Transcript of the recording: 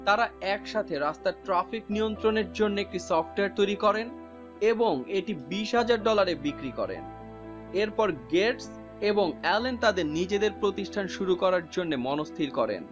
তারা একসাথে রাস্তায় ট্রাফিক নিয়ন্ত্রণের জন্য একটি সফটওয়্যার তৈরি করেন এবং এটি ২০ হাজার ডলারে বিক্রি করেন এরপর গেটস এলেন তাদের নিজেদের প্রতিষ্ঠান শুরু করার জন্য মনস্থির করেন